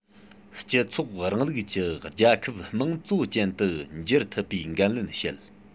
སྤྱི ཚོགས རིང ལུགས ཀྱི རྒྱལ ཁབ དམངས གཙོ ཅན དུ འགྱུར ཐུབ པའི འགན ལེན བྱེད